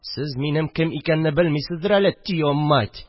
Сез минем кем икәнне белмисездер әле, тиомать